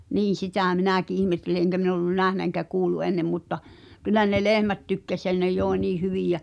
niin sitä minäkin ihmettelin enkä minä ollut nähnyt enkä kuullut ennen mutta kyllä ne lehmät tykkäsi ja ne joi niin hyvin ja